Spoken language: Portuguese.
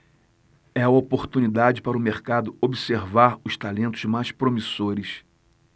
é a oportunidade para o mercado observar os talentos mais promissores